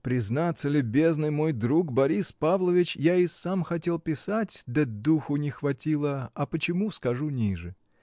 Признаться, любезный мой друг Борис Павлович, я и сам хотел писать, да духу не хватило, а почему — скажу ниже.